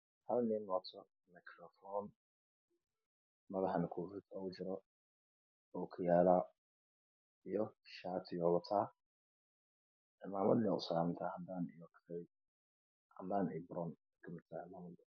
Hal nin wato madaxa koofiyad oogu jiro okiyalo iyo shaati uu wataa cimaamad way usaarantahay cadaan iyo brown